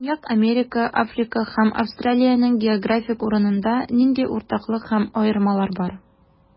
Көньяк Америка, Африка һәм Австралиянең географик урынында нинди уртаклык һәм аермалар бар?